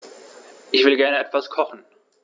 Ich will gerne etwas kochen.